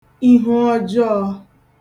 ihu ọjọọ̄